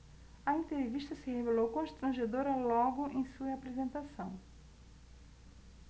a entrevista se revelou constrangedora logo em sua apresentação